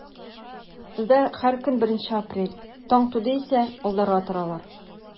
Бездә һәр көн беренче апрель, таң туды исә алдарга торалар.